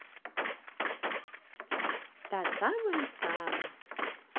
та самая самая